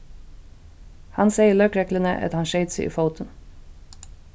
hann segði løgregluni at hann skeyt seg í fótin